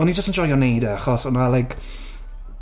O'n i jyst yn joio wneud e achos oedd 'na like...